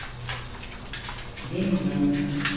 день знаний